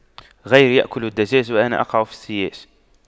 غيري يأكل الدجاج وأنا أقع في السياج